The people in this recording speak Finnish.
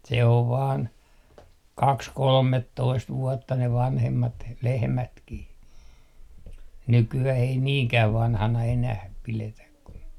se on vain kaksi kolmetoista vuotta ne vanhemmat lehmätkin nykyään ei niinkään vanhana enää pidetä kun